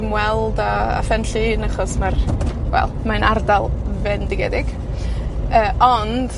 ymweld â, â Phenllyn achos ma'r, wel, mae'n ardal fendigedig. Yy, ond